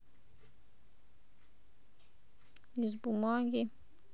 из бумаги